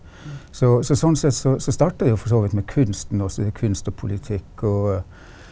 så så sånn sett så så starta jo for så vidt med kunsten også kunst og politikk og.